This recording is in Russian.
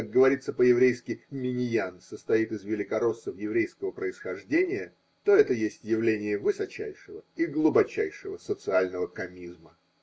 как говорится по-еврейски, миньян состоит из великороссов еврейского происхождения, то это есть явление высочайшего и глубочайшего социального комизма.